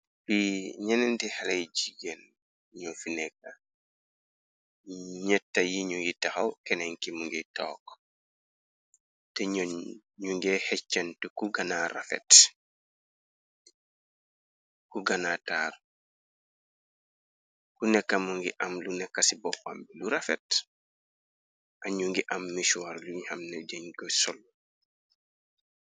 Li ñènenti xale y jigeen ño fi nekka, ñetti yi ñu ngi taxaw kenen ki mu ngiy tóóg te ñu nge xeccanti ku gana rafet ku gana taar, ku nekka mu ngi am lu nekka ci bópambi lu rafet ñu ngi am mosor yu xam ne ñing ko sol.